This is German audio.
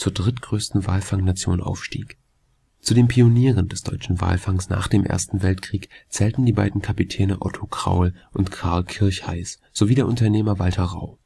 drittgrößten Walfangnation aufstieg. Zu den Pionieren des deutschen Walfangs nach dem Ersten Weltkrieg zählten die beiden Kapitäne Otto Kraul und Carl Kircheiß sowie der Unternehmer Walter Rau